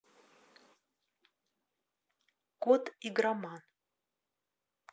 кот игроман